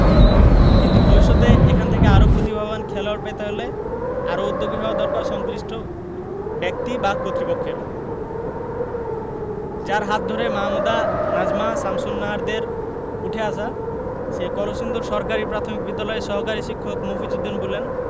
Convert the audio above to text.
কিন্তু ভবিষ্যতে এখান থেকে আরও প্রতিভাবান খেলোয়াড় পেতে হলে আরও উদ্যোগী হওয়া দরকার সংশ্লিষ্ট ব্যক্তি বা কর্তৃপক্ষের যাঁর হাত ধরে মাহমুদা নাজমা শামসুন্নাহারদের উঠে আসা সেই কলসিন্দুর সরকারি প্রাথমিক বিদ্যালয়ের সহকারী শিক্ষক মফিজ উদ্দিন বললেন